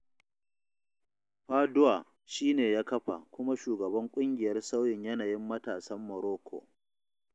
Fadoua shi ne ya kafa kuma shugaban Ƙungiyar Sauyin Yanayin Matasan Morocco.